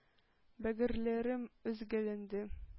Бәгырьләрем өзгәләнде,